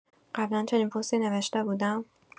قبلا چنین پستی نوشته بودم؟